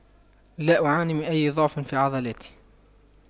لا أعاني من أي ضعف في عضلاتي